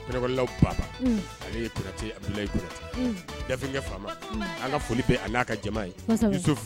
Law pte dafekɛ an ka foli an n'a ka jama ye